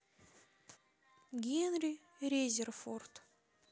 генри резерфорд